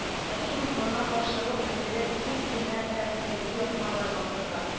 Хәкимов моңа каршылык белдереп күп кенә тәнкыйди язмалар бастырган.